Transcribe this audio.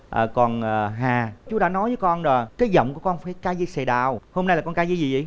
ờ còn ờ hà chú đã nói với con là cái giọng của con phải ca dây sài đào hôm nay là con ca dây gì dị